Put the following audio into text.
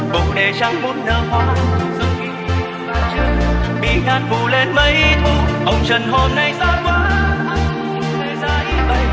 bồ đề chẳng muốn nở hoa dòng kinh còn lưu vạn chữ bì ngạn phủ lên mấy thu hồng trần hôm nay xa quá ái ố không thể bãi bày